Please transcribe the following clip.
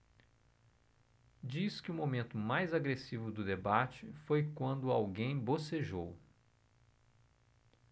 diz que o momento mais agressivo do debate foi quando alguém bocejou